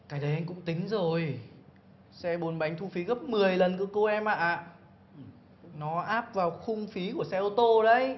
cái đấy anh cũng tính rồi xe bánh thu phí gấp lần cơ cô em ạ nó áp vào khung phí của xe ô tô đấy